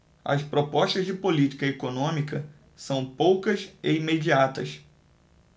as propostas de política econômica são poucas e imediatas